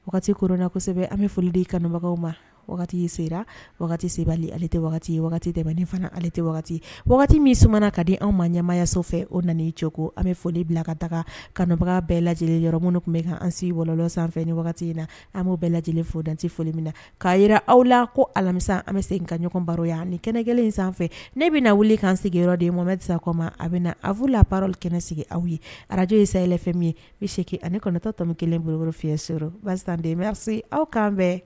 Wagati kona kosɛbɛ an bɛ folidi kanubagaw ma wagati sera wagati se ale tɛ wagati wagati ne fana ale tɛ wagati wagati min sumana ka di anw ma ɲɛmayaso fɛ o na cɛwko an bɛ foli bila ka taga ka kanbaga bɛɛ lajɛ lajɛlen yɔrɔ minnu tun bɛ kan an si wɔlɔ sanfɛ wagati in na an' bɛɛ lajɛ lajɛlen fodte foli min na k'a jira aw la ko alamisa an bɛ se ka ɲɔgɔn baroya ni kɛnɛ gɛlɛn in sanfɛ ne bɛna wuli k'an sigi yɔrɔ de ma bɛsa kɔma a bɛna na a fu la baarali kɛnɛ sigi aw ye arajo ye sayfɛ min ye bɛ seeke ani kɔnɔntɔtɔ kelen bolokooro fi s walasase aw kanan bɛɛ